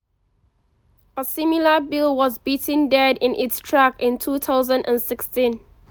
A similar bill was beaten dead in its track in 2016.